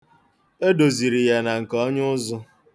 E doziri ya na nke onye ụzụ.